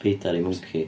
Speidar i mwnci.